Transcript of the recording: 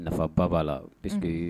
Nafa ba b'a la